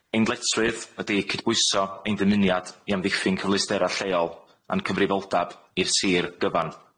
Ein dyletswydd ydi cydbwyso ein dymuniad i amddiffyn cyfleustera lleol, a'n cyfrifoldab i'r sir gyfan.